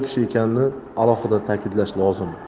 ekanini alohida ta'kidlash lozim